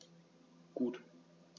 Gut.